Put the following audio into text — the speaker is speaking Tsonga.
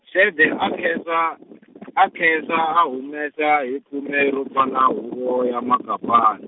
Xede a khensa, a khensa a humesa hi khume ro pfala huvo ya Makapan-.